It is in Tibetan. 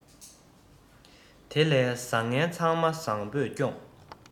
དེ ལས བཟང ངན ཚང མ བཟང པོས སྐྱོངས